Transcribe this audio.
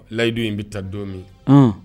Layidu in bɛ taa don min